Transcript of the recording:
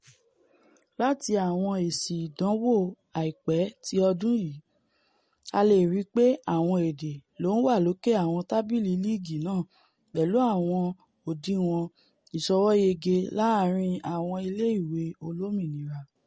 Láti àwọn èsì ìdánwò àìpẹ́ ti ọdún yìí, a leè ríi pé àwọn èdè ló ńwà lókè àwọn tábìlì líìgí náà pẹ̀lú àwọn òdiwọn ìṣọwọ́yege láàrin àwọn ilé ìwé olómìnira.